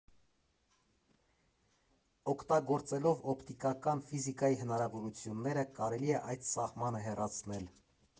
Օգտագործելով օպտիկական ֆիզիկայի հնարավորությունները՝ կարելի է այդ սահմանը հեռացնել։